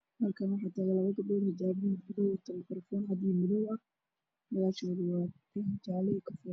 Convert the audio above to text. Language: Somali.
Halkaani waxa taagan labo gabdhood oo hijaabo madmadow wato iyo barafuuno cadcad oo madmadaw ah gadaashoodo pink jaalo iyo kafee